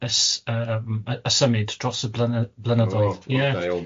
Ys- yr ym y y symud dros y blyny- blynyddoedd... oh... ie... o da iawn.